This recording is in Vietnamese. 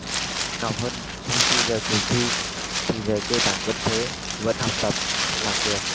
ngọc hân sau khi rời cuộc thi thì về cơ bản vẫn thế vẫn học tập làm việc